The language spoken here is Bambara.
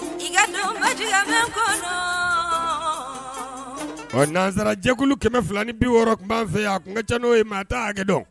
Ɔ nanzjɛkulu kɛmɛ fila ni bi wɔɔrɔ tun fɛ a kun ja n'o ye maa da hakɛ dɔn